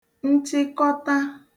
nchịkọta